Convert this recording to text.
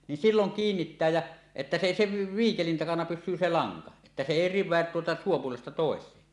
niin silloin kiinnittää ja että se ei se viikelin takana pysy se lanka että se ei riveä tuota suupuolesta toiseen